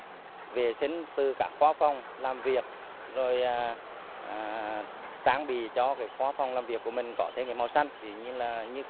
vệ sinh từ các khoa phòng làm việc rồi à à trang bị cho khoa phòng làm việc của mình có thêm màu xanh vì như là như